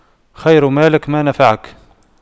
خير مالك ما نفعك